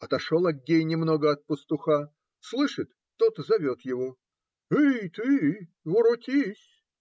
Отошел Аггей немного от пастуха, слышит, тот зовет его. - Эй ты, воротись!